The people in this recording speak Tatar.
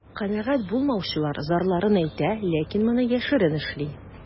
Канәгать булмаучылар зарларын әйтә, ләкин моны яшерен эшли.